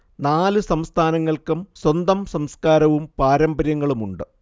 നാലു സംസ്ഥാനങ്ങൾക്കും സ്വന്തം സംസ്കാരവും പാരമ്പര്യങ്ങളുമുണ്ട്